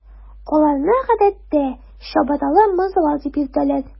Аларны, гадәттә, “чабаталы морзалар” дип йөртәләр.